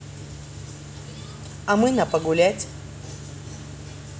а мы на погулять